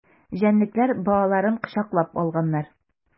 Җәнлекләр балаларын кочаклап алганнар.